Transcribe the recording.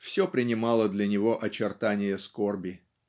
все принимало для него очертания скорби.